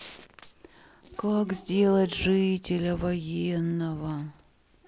как сделать жителя военного